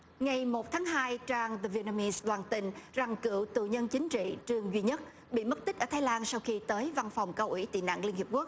ngày một tháng hai trang rơ việt nam y loan tình rằng cựu tù nhân chính trị trương duy nhất bị mất tích ở thái lan sau khi tới văn phòng cao ủy tị nạn liên hiệp quốc